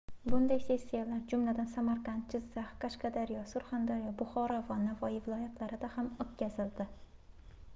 bunday sessiyalar jumladan samarqand jizzax qashqadaryo surxondaryo buxoro va navoiy viloyatlarida ham o'tkazildi